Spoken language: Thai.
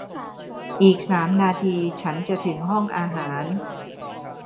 อีกสามนาทีฉันจะถึงห้องอาหาร